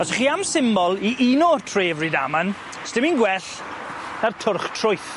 Os 'ych chi am symbol i uno'r tre Rydaman, sdim un gwell na'r twrch trwyth.